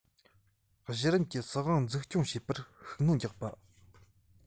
གཞི རིམ གྱི སྲིད དབང འཛུགས སྐྱོང བྱེད པར ཤུགས སྣོན རྒྱག པ